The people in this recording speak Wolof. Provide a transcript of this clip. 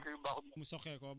voilà ba noppi mu dee